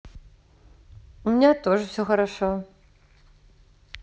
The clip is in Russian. у меня тоже все хорошо